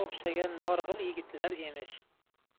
o'xshagan norg'il yigitlar emish